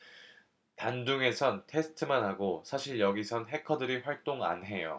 단둥에선 테스트만 하고 사실 여기선 해커들이 활동 안 해요